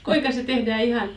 kuinka se tehdään ihan